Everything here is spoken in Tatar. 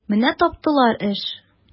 Менә таптылар эш!